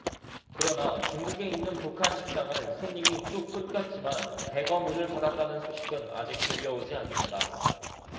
그러나 중국에 있는 북한 식당은 손님이 뚝 끊겼지만 대거 문을 닫았다는 소식은 아직 들려오지 않는다